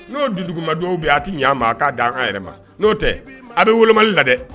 N'o du dugu ma dɔw bi a tɛ ɲ ma a'a di an ka yɛrɛ ma n'o tɛ a bɛ woloma la dɛ